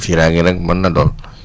fiiraange nag mën na doon